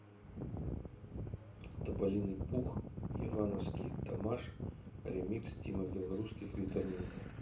тополиный пух ивановские тамаш ремикс тима белорусских витаминка